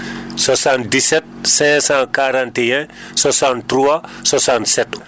77 541 63 67